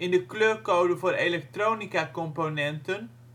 de kleurcode voor elektronicacomponenten